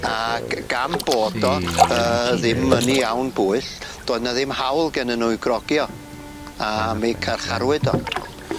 Ac gan bod o yy ddim yn 'i iawn bwyll doedd 'na ddim hawl gennyn nw i grogi o a mi carcharwyd o.